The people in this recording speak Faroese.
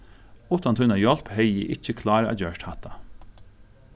uttan tína hjálp hevði eg ikki klárað at gjørt hatta